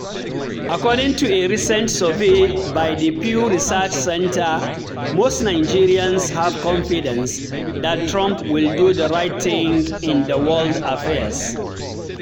According to a recent survey by the Pew Research Centre most Nigerians "have confidence" that Trump "will do the right thing in world affairs".